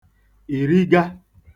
ìriga